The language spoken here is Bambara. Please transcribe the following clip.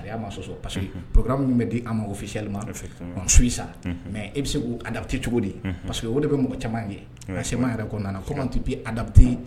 A y'a sɔn pa min bɛ di a makofiyɛnlima fɛ su sa mɛ e bɛ se k' abote cogo di paseke o de bɛ mɔgɔ caman kɛ ka sema yɛrɛ kɔnɔna kɔ tɛ bɛbote